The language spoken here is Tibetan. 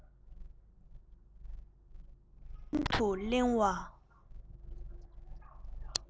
སྔོན དུ གླེང བ